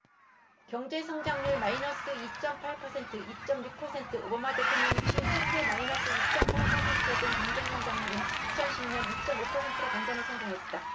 경제성장률 마이너스 이 쩜 팔 퍼센트 이 쩜 육 퍼센트 오바마 대통령의 취임 첫해 마이너스 이 쩜 팔 퍼센트였던 경제 성장률은 이천 십 년 이 쩜 오 퍼센트로 반전에 성공했다